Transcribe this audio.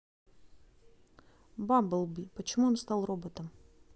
бамблби почему он стал роботом